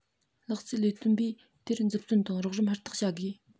རིག རྩལ ལས དོན པས དེར མཛུབ སྟོན དང རོགས རམ ཧུར ཐག བྱ དགོས